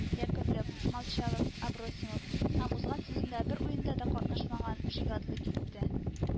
Яковлев, Мочалов, Абросимов һәм узган сезонда бер уенда да катнашмаган Жигадло ките